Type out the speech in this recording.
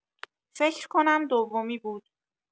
فکر کنم دومی بود